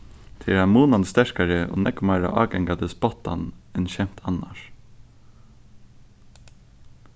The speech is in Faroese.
tað er ein munandi sterkari og nógv meira ágangandi spottan enn skemt annars